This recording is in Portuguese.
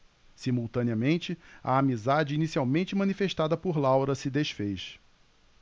simultaneamente a amizade inicialmente manifestada por laura se disfez